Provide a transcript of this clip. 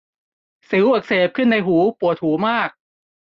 สิวอักเสบขึ้นในหูปวดหูมาก